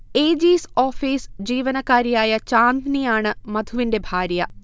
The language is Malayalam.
ഏജീസ് ഓഫീസ് ജീവനക്കാരിയായ ചാന്ദ്നിയാണ് മധുവിന്റെ ഭാര്യ